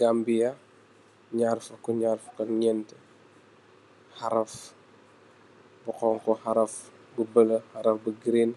Gambia ñaar fukka, ñaar fukka ñenti araf bu xonxu, araf bu bula, araf bu green,